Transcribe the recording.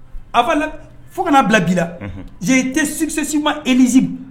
A fa fo kana bila bi ze tɛkisɛsi ma ez